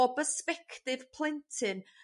o bersbectif plentyn